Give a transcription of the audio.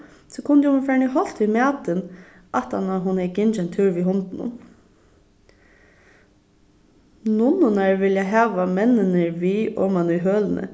so kundi hon verið farin í holt við matin aftaná hon hevði gingið ein túr við hundinum nunnurnar vilja hava menninir við oman í hølini